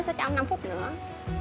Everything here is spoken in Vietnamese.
sẽ cho ông năm phút nữa